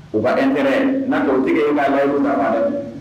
Oba kɛra na dugutigitigɛ ye'yi' ta dɛ